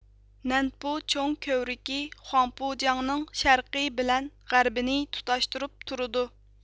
نەنپۇ چوڭ كۆۋرۈكى خۇاڭپۇجياڭنىڭ شەرقى بىلەن غەربىنى تۇتاشتۇرۇپ تۇرىدۇ